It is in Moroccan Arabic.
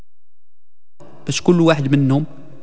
مش كل واحد منهم